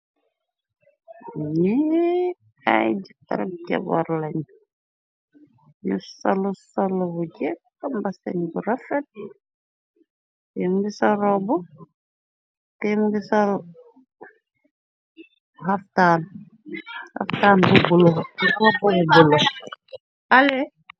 Ni ay jë tarab jaborlañ ñu sa lu salubu jë tamba sen bu rafet embi sa robu xaftaan bubbulu te koku bubbula ale.